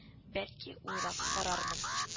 Бәлки уйлап карармын…